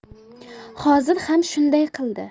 hozir ham shunday qildi